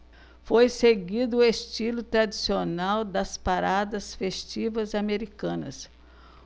foi seguido o estilo tradicional das paradas festivas americanas